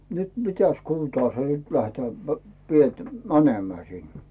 nyt mitäs suuntaa se nyt lähdetään - sieltä menemään sinne